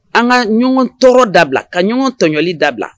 An ka ɲɔgɔn tɔɔrɔ dabila ka ɲɔgɔn tɔɲɔli dabila